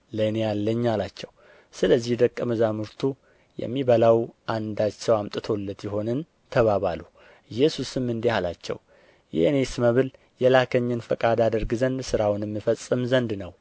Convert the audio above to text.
ለእኔ አለኝ አላቸው ስለዚህ ደቀ መዛሙርቱ የሚበላው አንዳች ሰው አምጥቶለት ይሆንን ተባባሉ ኢየሱስም እንዲህ አላቸው የእኔስ መብል የላከኝን ፈቃድ አደርግ ዘንድ ሥራውንም እፈጽም ዘንድ ነው